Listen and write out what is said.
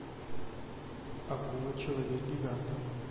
акула человек гигант